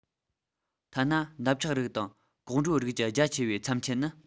ཐ ན འདབ ཆགས རིགས དང གོག འགྲོའི རིགས ཀྱི རྒྱ ཆེ བའི མཚམས ཆད ནི